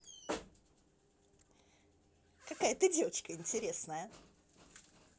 какая ты девочка интересная